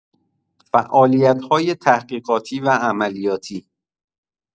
فعالیت‌های تحقیقاتی و عملیاتی